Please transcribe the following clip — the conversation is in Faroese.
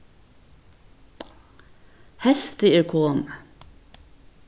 heystið er komið